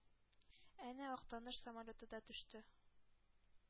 Әнә Актаныш самолеты да төште.